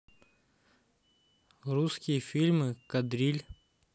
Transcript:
русские фильмы кадриль